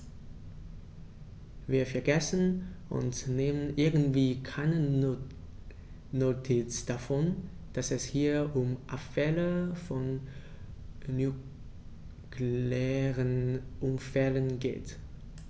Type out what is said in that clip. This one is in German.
Wir vergessen, und nehmen irgendwie keine Notiz davon, dass es hier um Abfälle von nuklearen Unfällen geht.